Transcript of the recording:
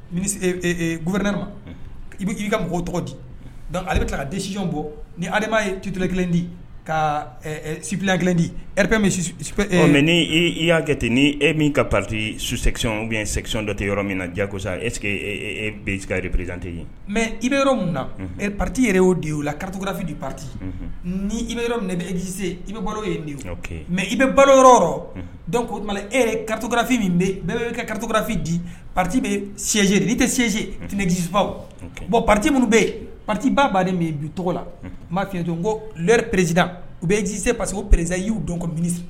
Ni gupɛ ma i ka mɔgɔw tɔgɔ di ale bɛ tila ka disiy bɔ ni ali'a ye suturalɛ kelen di ka sibi kelen di p mɛ' y'a kɛ ten ni e min ka pati su sɛcyɔn u bɛ sɛcɔn dɔ tɛ yɔrɔ min na diya ko sa es que berere perezdte yen mɛ i bɛ yɔrɔ min na ɛ pati yɛrɛ o de ye o la karatalafi de pati ni i yɔrɔ min bɛ ezse i bɛ baro ye mɛ i bɛ baro yɔrɔ dɔn ko kulubali e karatakafin min bɛ karatadafin di pati bɛ se ni tɛ sse tɛnɛniszsifaw bɔn pati minnu bɛ yen patiba b'a de min bi tɔgɔ la n b'a f fiɲɛɲɛ to ko ɛrɛ prezd u bɛzse passeke perereze y'u dɔn ko mini